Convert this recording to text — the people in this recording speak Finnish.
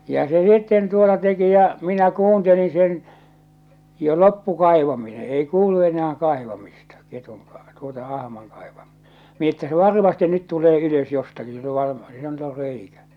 ja se sitten tuota teki ja minä kuuntelin sen jo loppui kaivaminen ei kuulu enää kaivamista ketun - tuota ahman - kaivaminen että se varmasti nyt tulee ylös jostakin sillä on - sillä nyt on reikä